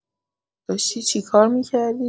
داشتی چه کار می‌کردی؟